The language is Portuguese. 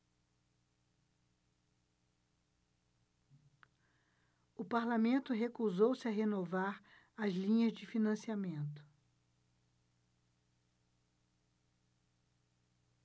o parlamento recusou-se a renovar as linhas de financiamento